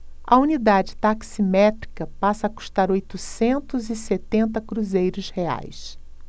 a unidade taximétrica passa a custar oitocentos e setenta cruzeiros reais